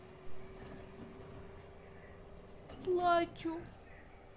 плачу